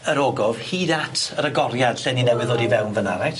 yr ogof hyd at yr agoriad lle ni newydd ddod i fewn fan 'na reit?